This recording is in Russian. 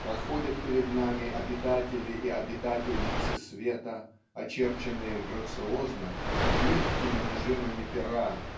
Проходят перед нами обитатели и обитательницы света очерченные грациозно легкими нажимами пера